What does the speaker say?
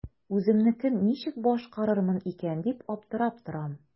Үземнекен ничек башкарырмын икән дип аптырап торам.